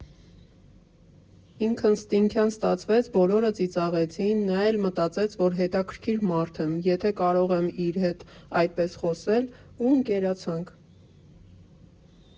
Ինքնըստինքյան ստացվեց, բոլորը ծիծաղեցին, նա էլ մտածեց, որ հետաքրքիր մարդ եմ, եթե կարող եմ իր հետ այդպես խոսել ու ընկերացանք։